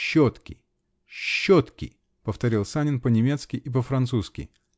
-- Щетки, щетки, -- повторил Санин по-немецки и по-французски.